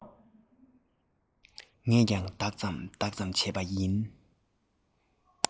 ངས ཀྱང ལྡག ཙམ ལྡག ཙམ བྱས པ ཡིན